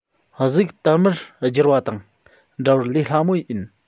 གཟུགས དར མར བསྒྱུར པ དང འདྲ བར ལས སླ མོ ཡིན